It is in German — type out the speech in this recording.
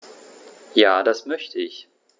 Ja, das möchte ich.